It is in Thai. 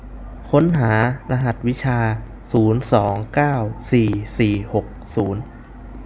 ค้นหารหัสวิชาศูนย์สองเก้าสี่สี่หกศูนย์